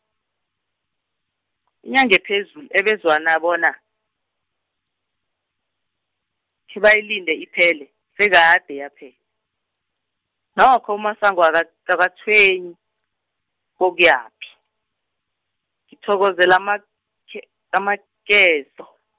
inyanga ephezulu ebezwana bona, khebayilinde iphele, sekade yaphe-. nokho uMasango aka- akatshwenyi, kokuyaphi. ngithokozela makhe- amakhezo.